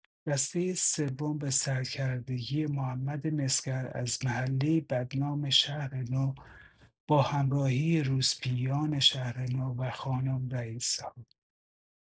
دسته سوم به سرکردگی محمد مسگر از محله بدنام شهرنو با همراهی روسپیان شهرنو و خانم رئیس‌ها.